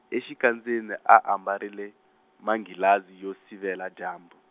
exikandzeni a ambarile, manghilazi yo sivela dyambu.